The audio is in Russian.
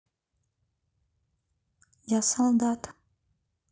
я солдат